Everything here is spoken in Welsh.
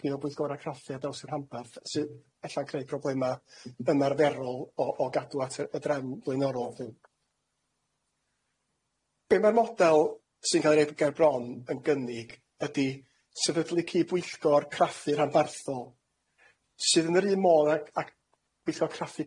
A dwi'n cau'r bleidlais.